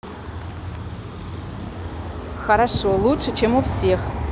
хорошо лучше чем у всех